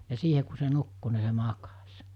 ja siihen kun se nukkui niin se makasi